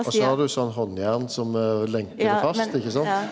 også har du sånn handjern som lenkar dei fast ikkje sant?